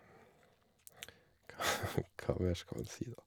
Hva mer skal man si, da?